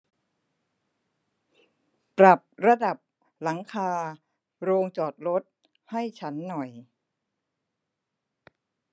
ปรับระดับหลังคาโรงจอดรถให้ฉันหน่อย